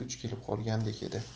duch kelib qolgandek edi